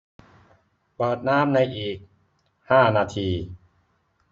เปิดน้ำในอีกห้านาที